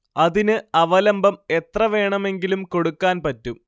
അതിന് അവലംബം എത്ര വേണമെങ്കിലും കൊടുക്കാൻ പറ്റും